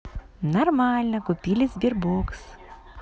нормально купили sberbox